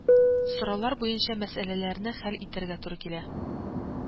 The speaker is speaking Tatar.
Сораулар буенча мәсьәләләрне хәл итәргә туры килә